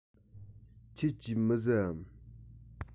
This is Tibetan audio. ཁྱེད ཀྱིས མི ཟ འམ